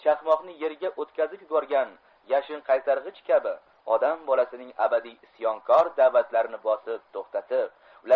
chakmoqni yerga o'tkazib yuborgan yashinqaytarg'ich kabi odam bolasining abadiy isyonkor da'vatlarini bosib to'xtatib